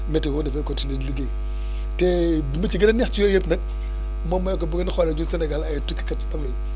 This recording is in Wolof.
météo dafay continué di liggéey te li ci gën a neex ci yooyu yëpp nag moom mooy que bu ngeen xoolee biir Sénégal ay tukkikat yu mag lañ